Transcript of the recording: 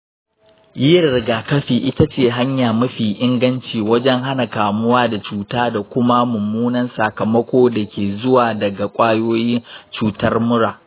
yin rigakafi ita ce hanya mafi inganci wajen hana kamuwa da cuta da kuma mummunan sakamako da ke zuwa daga ƙwayoyin cutar mura.